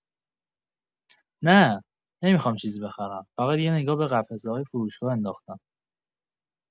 نه، نمی‌خوام چیزی بخرم، فقط یه نگاه به قفسه‌های فروشگاه انداختم.